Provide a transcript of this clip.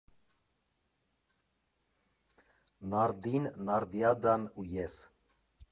Նարդին, Նարդիադան ու ես։